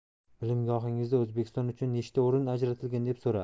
bilimgohingizda o'zbekiston uchun nechta o'rin ajratilgan deb so'radi